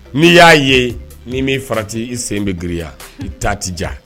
N'i y'a ye n'i m'i farati i sen bɛ giriya i tatija